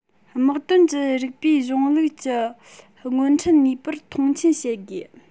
དམག དོན གྱི རིགས པའི གཞུང ལུགས ཀྱི སྔོན ཁྲིད ནུས པར མཐོང ཆེན བྱེད དགོས